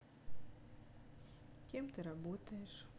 кем ты работаешь